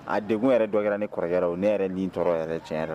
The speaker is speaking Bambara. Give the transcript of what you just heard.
A denkɛg yɛrɛ dɔɛrɛ ni kɔrɔkɛ ne yɛrɛ nin tɔɔrɔ yɛrɛ tiɲɛ yɛrɛ